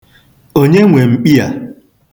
Onye nwe mkpi a?